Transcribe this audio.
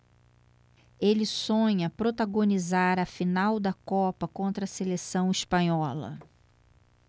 ele sonha protagonizar a final da copa contra a seleção espanhola